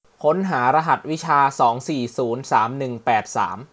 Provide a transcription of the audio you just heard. ค้นหารหัสวิชาสองสี่ศูนย์สามหนึ่งแปดสาม